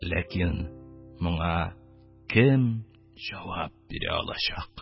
Ләкин моңа кем җавап бирә алачак?